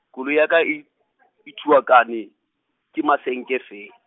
koloi ya ka e, e thuakane, ke masenke fee-.